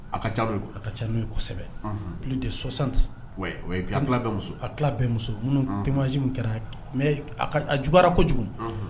A ka ca a ka ca n'o ye kosɛbɛ p de sɔsan bi a tila bɛɛ muso minnu temasi kɛra mɛ juyarara kojugu